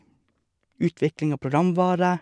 Utvikling av programvare.